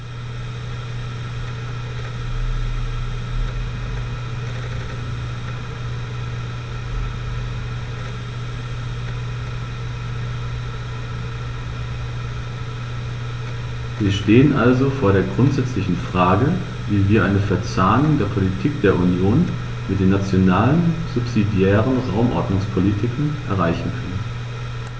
Wir stehen also vor der grundsätzlichen Frage, wie wir eine Verzahnung der Politik der Union mit den nationalen subsidiären Raumordnungspolitiken erreichen können.